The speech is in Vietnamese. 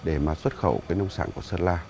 để mà xuất khẩu cái nông sản của sơn la